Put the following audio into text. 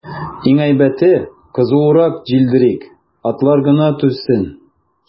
Иң әйбәте, кызурак җилдерик, атлар гына түзсен.